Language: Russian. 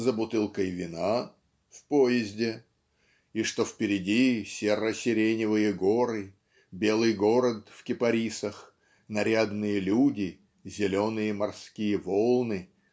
за бутылкой вина (в поезде) и что впереди серо-сиреневые горы белый город в кипарисах нарядные люди зеленые морские волны